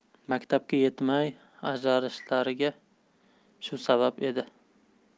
maktabga yetmay ajralishlariga shu sabab edi